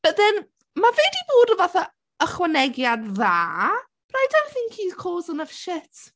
But then ma' fe 'di bod yn fath o ychwanegiad dda. But I don't think he's caused enough shit.